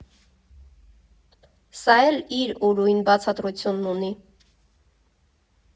Սա էլ իր ուրույն բացատրությունն ունի։